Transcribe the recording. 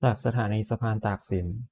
จากสถานีสะพานตากสิน